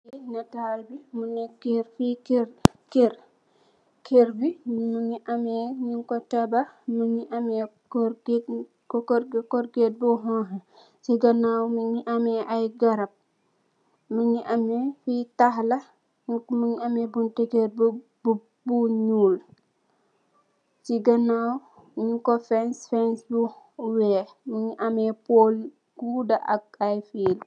netal bi munekeh ci ker ker bi mjngi ameh nyung ko tabakh mungi ameh korget bu xonxa ci ganaw mungi ameh ay garap mungi ameh fi taax la mungi ameh buntu kerr bu nyool ci ganaw nyung ko fens fens bu weex mungi ameh pol bu guda ak ay fiil